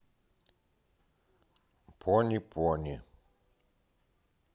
пони пони